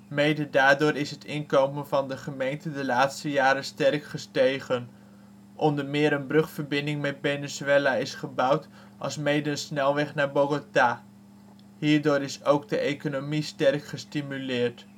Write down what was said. mede daardoor is het inkomen van de gemeente de laatste jaren sterk gestegen. Onder meer een brugverbinding met Venezuela is gebouwd, als mede een snelweg naar Bogota. Hierdoor is ook de economie sterk gestimuleerd